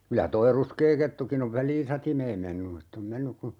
kyllä tuo ruskea kettukin on väliin satimeen mennyt että on mennyt kun